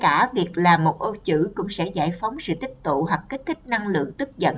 ngay cả làm một ô chữ cũng sẽ giải phóng sự tích tụ hoặc kích thích năng lượng và tức giận